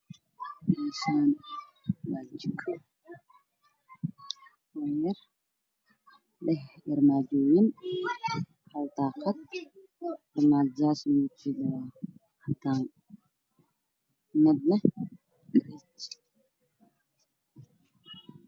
Waajiko wax lagu karsado daaqaddeedu waa dhalo caddaan darbiyadeedu waa caddaan dhulka waa mutuel